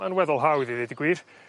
ma'n weddol hawdd i ddeud y gwir